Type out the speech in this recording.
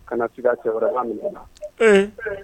Kana siga cɛ wɛrɛ b'a minɛ ila ee